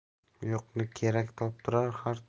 yo'qni kerak toptirar har